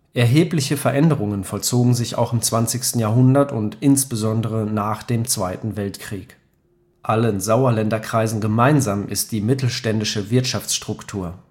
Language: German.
Erhebliche Veränderungen vollzogen sich auch im 20. Jahrhundert und insbesondere nach dem Zweiten Weltkrieg. Allen Sauerländer Kreisen gemeinsam ist die mittelständische Wirtschaftsstruktur